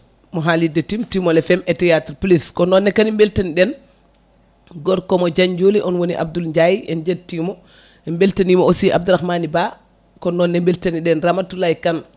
mo haalirde Timtimol FM e théâtre plus ko noonne kadi beltani ɗen gorko mo Dianjjoly on woni Abdoul Ndiaye en jettimo en beltanima aussi Abdrahamany Ba ko nonne beltaniɗen Ramatoulaye Kane